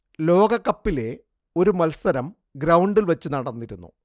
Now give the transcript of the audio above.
ലോകകപ്പിലെ ഒരു മത്സരം ഗ്രൗണ്ടിൽ വെച്ച് നടന്നിരുന്നു